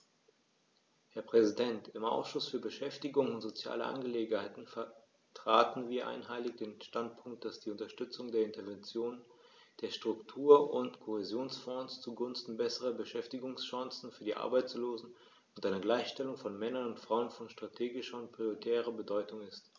Herr Präsident, im Ausschuss für Beschäftigung und soziale Angelegenheiten vertraten wir einhellig den Standpunkt, dass die Unterstützung der Interventionen der Struktur- und Kohäsionsfonds zugunsten besserer Beschäftigungschancen für die Arbeitslosen und einer Gleichstellung von Männern und Frauen von strategischer und prioritärer Bedeutung ist.